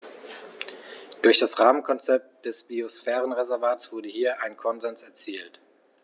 Durch das Rahmenkonzept des Biosphärenreservates wurde hier ein Konsens erzielt.